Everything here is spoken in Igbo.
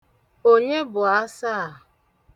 Onye bụ asa a?